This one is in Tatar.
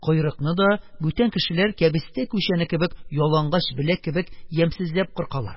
Койрыкны да бүтән кешеләр кәбестә күчәне кебек, ялангач беләк кебек ямьсезләп кыралар.